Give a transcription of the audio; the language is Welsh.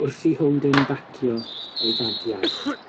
Wrth ei Holden bacio ei fagiau